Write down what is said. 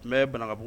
Mɛ banabugu